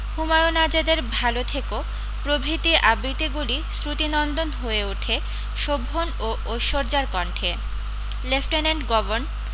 হুমায়ুন আজাদের ভাল থেকো প্রভৃতি আবৃত্তিগুলি শ্রুতিনন্দন হয়ে ওঠে শোভন ও ঐশ্বর্যার কণ্ঠে লেফটেন্যান্ট গভর্ন